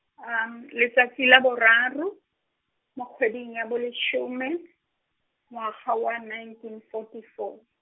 letsatsi la boraro, mo kgweding ya bolesome, ngwaga wa nineteen forty four.